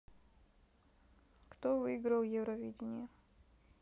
кто выиграл евровидение